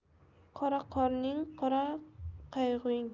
qora qorning qora qayg'ung